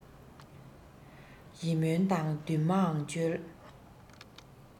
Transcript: ཡིད སྨོན དང འདུན མའང བཅོལ